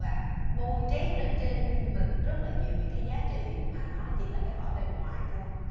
và bôi trét lên trên mình rất là nhiều những cái giá trị mà nó chỉ là cái vỏ bề ngoài thôi